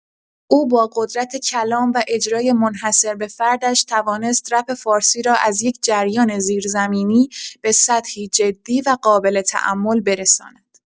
او با قدرت کلام و اجرای منحصربه‌فردش توانست رپ فارسی را از یک جریان زیرزمینی به سطحی جدی و قابل‌تأمل برساند.